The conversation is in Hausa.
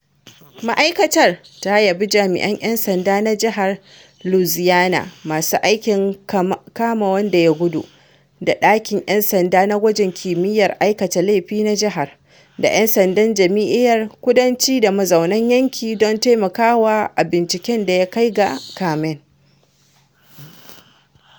Ma’aikatar ta yabi jami’an ‘yan sanda na Jihar Louisiana masu aikin kama wanda ya gudu, da ɗakin ‘yan sanda na gwajin kimiyyar aikata lafi na jihar, da ‘yan sandan Jami’ar Kudanci da mazauna yanki don taimakawa a binciken da ya kai ga kamen.